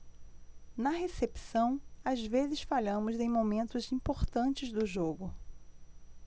na recepção às vezes falhamos em momentos importantes do jogo